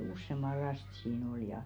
useamman lasta siinä oli ja